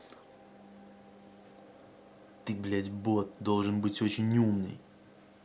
ты блядь бот должен быть очень умный